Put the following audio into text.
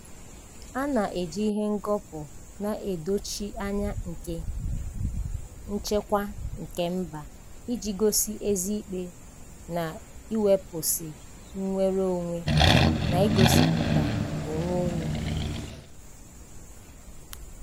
A na-eji ihe ngọpụ na-edocheghị anya nke "nchekwa kemba" iji gosi eziikpe n'iwepụsị nnwere onwe n'igosipụta onwe onye.